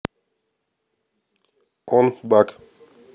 он баг